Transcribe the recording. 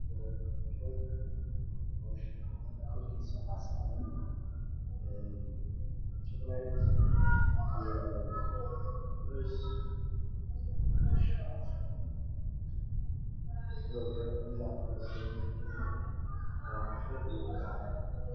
Meeshaan waxaa yaalo keeg midadkiisii hore qaxwi dahabi wuxuu saaran yahay miis caddaan